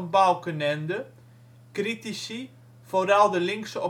Balkenende. Critici - vooral de linkse